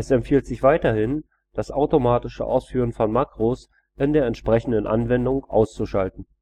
empfiehlt sich weiterhin, das automatische Ausführen von Makros in der entsprechenden Anwendung auszuschalten